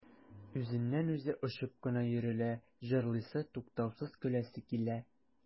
Үзеннән-үзе очып кына йөрелә, җырлыйсы, туктаусыз көләсе килә.